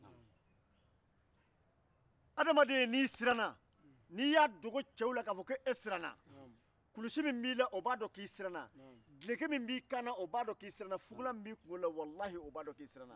adamaden n'i siranna n'i y'a dogo maaw la k'i siranna kulusi duloki ani fugula minnu b'i la b'a dɔn k'i siranna